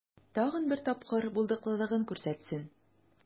Тагын бер тапкыр булдыклылыгын күрсәтсен.